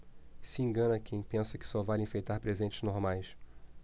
se engana quem pensa que só vale enfeitar presentes normais